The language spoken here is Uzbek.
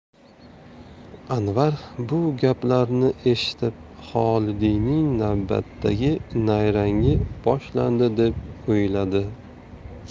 anvar bu gaplarni eshitib xolidiyning navbatdagi nayrangi boshlandi deb o'yladi